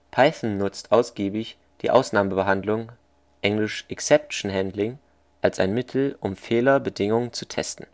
Python nutzt ausgiebig die Ausnahmebehandlung (engl. exception handling) als ein Mittel, um Fehlerbedingungen zu testen